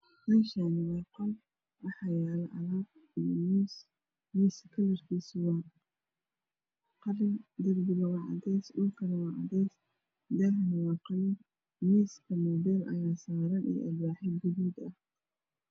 Meeshaan waa qol waxaa yaalo alaab iyo miis kalarkiisu waa qalin. Darbiguna waa cadeys, dhulkuna waa cadeys daaha waa qalin miiskana dhar ayaa saaran iyo alwaaxyo gaduud ah.